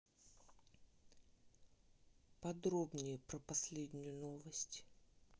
подробнее про последнюю новость